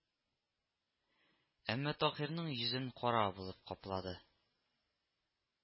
Әмма Таһирның йөзен кара болып каплады